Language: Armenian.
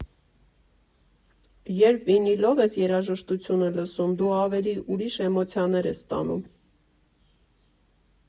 Երբ վինիլով ես երաժշտություն լսում, դու ավելի ուրիշ էմոցիաներ ես ստանում.